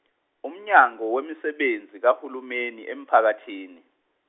umnyango wemisebenzi kahulumeni emphakathini.